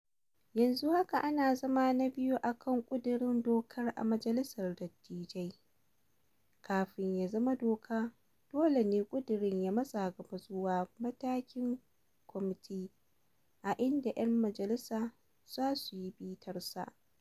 Yanzu haka ana zama na biyu a kan ƙudurin dokar a Majalisar Dattijai. Kafin ya zama doka, dole ne ƙudurin ya matsa gaba zuwa matakin kwamiti a inda 'yan majalisa za su yi bitarsa.